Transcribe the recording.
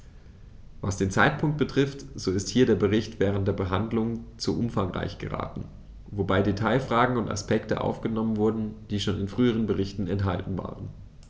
Was den Zeitpunkt betrifft, so ist hier der Bericht während der Behandlung zu umfangreich geraten, wobei Detailfragen und Aspekte aufgenommen wurden, die schon in früheren Berichten enthalten waren.